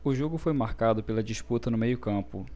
o jogo foi marcado pela disputa no meio campo